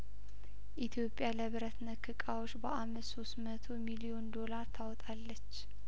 ኢትዮጵያ ለብረት ነክ እቃዎች በአመት ሶስት መቶ ሚሊዮን ዶላር ታወጣለች